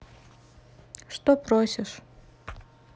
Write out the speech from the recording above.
что просишь